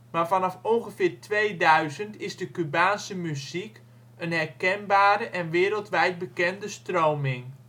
maar vanaf ongeveer 2000 is de Cubaanse muziek een herkenbare en wereldwijd bekende stroming